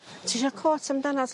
Ti isio cot amdanat...